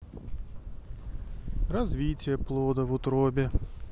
развитие плода в утробе